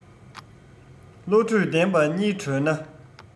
བློ གྲོས ལྡན པ གཉིས བགྲོས ན